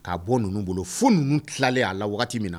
K kaa bɔ ninnu bolo fo ninnu tilalen a la waati min na